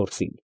Գործին։